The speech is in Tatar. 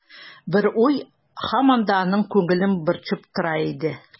Бер уй һаман да аның күңелен борчып тора иде.